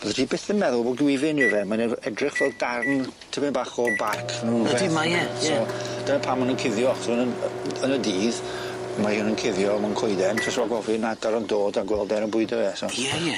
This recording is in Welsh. Bydde ti byth yn meddwl bo' glwyfyn yw fe mae'n ef- edrych fel darn tipyn bach o barc ne' rwbeth... Ydi mae e ie. ...so dyna pam ma' nw'n cuddio achos ma' nw'n yy yn y dydd mae o'n yn cuddio mewn coeden jyst rhag ofyn ma' adar yn dod a gweld e yn bwydo fe so... Ie ie.